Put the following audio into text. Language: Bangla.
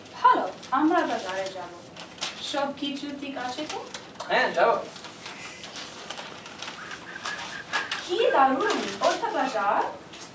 ভালো আমরা বাজারে যাব সব কিছু ঠিক আছে তো হ্যাঁ চলো কি বাবু এটা বাজার